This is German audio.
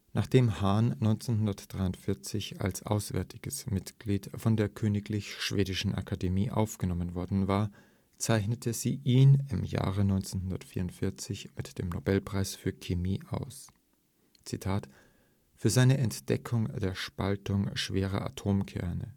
Nachdem Hahn 1943 als auswärtiges Mitglied von der Königlich Schwedischen Akademie aufgenommen worden war, zeichnete sie ihn im Jahre 1944 mit dem Nobelpreis für Chemie aus –„ für seine Entdeckung der Spaltung schwerer Atomkerne